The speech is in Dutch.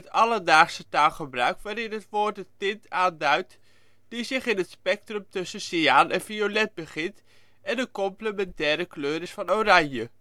alledaagse taalgebruik waarin het woord de tint aanduidt die zich in het spectrum tussen cyaan en violet bevindt en de complementaire kleur is van oranje